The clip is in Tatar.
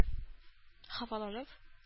Хафаланып